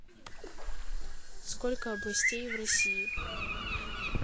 сколько областей в россии